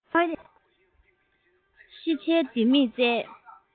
ཤེས བྱའི ལྡེ མིག བསྩལ